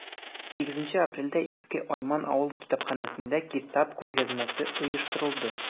8 апрельдә иске айман авыл китапханәсендә китап күргәзмәсе оештырылды.